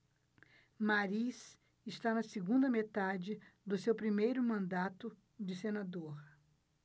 mariz está na segunda metade do seu primeiro mandato de senador